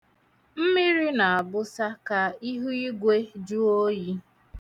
Mmiri na-abụsa ka ihu igwe juo oyi.